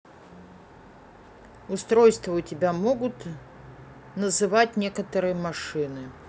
устройство у тебя могут называть некоторые машины